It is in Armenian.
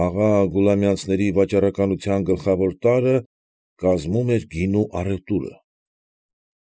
Աղա Գուլամյանցների վաճառականության գլխավոր տարրը կազմում էր գինու առուտուրը։